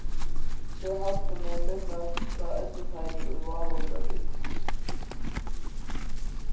eg haldi meg minnast tá ellisheimið í vágum var bygt